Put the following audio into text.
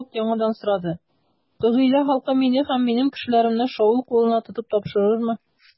Давыт яңадан сорады: Кыгыйлә халкы мине һәм минем кешеләремне Шаул кулына тотып тапшырырмы?